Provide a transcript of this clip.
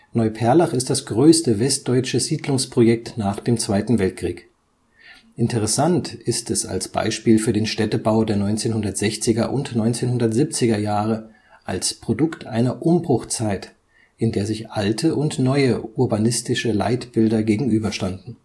Neuperlach ist das größte westdeutsche Siedlungsprojekt nach dem Zweiten Weltkrieg. Interessant ist es als Beispiel für den Städtebau der 1960er - und 1970er-Jahre, als Produkt einer Umbruchzeit, in der sich alte und neue urbanistische Leitbilder gegenüberstanden